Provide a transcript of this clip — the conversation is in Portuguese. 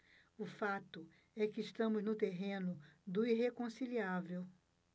o fato é que estamos no terreno do irreconciliável